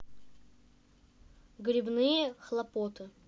гребные хлопоты